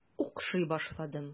Укшый башлыйм.